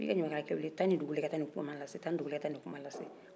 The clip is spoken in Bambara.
n'i ka ɲamakalakɛ wele taa ni dugu la i ka taa nin kum lase taa nin dugu la i ka taa nin kuma lase